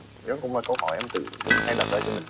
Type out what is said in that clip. đấy cũng là câu hỏi em tự hay đặt ra cho mình